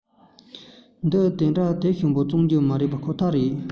འདིར དེ འདྲ དེབ མང པོ ཞིག བཙོང མི ཐུབ ཁོ ཐག རེད